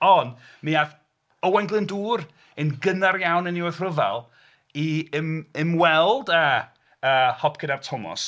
Ond mi aeth Owain Glyndŵr yn gynnar iawn yn ei wrthryfel i ym- ymweld a yy Hopcyn Ap Tomos.